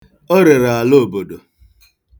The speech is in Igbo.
O rere ala obodo.